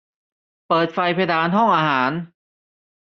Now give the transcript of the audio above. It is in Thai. เปิดไฟเพดานห้องอาหาร